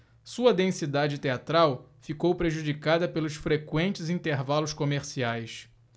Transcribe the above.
sua densidade teatral ficou prejudicada pelos frequentes intervalos comerciais